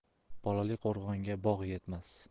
bolali qo'rg'onga bog' yetmas